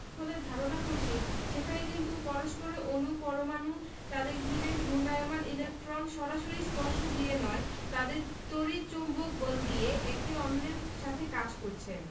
বলে ধারণা করছি সেখানে কিন্তু পরস্পরের অণু পরমাণু তাদের ঘিরে ঘূর্ণায়মান ইলেকট্রন সরাসরি স্পর্শ দিয়ে নয় তাদের তড়িৎ চৌম্বক বল দিয়ে একে অন্যের সাথে কাজ করছে